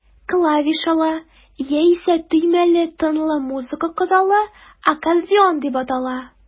Клавишалы, яисә төймәле тынлы музыка коралы аккордеон дип атала.